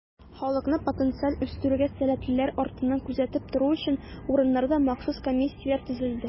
Халыкны потенциаль үстерүгә сәләтлеләр артыннан күзәтеп тору өчен, урыннарда махсус комиссияләр төзелде.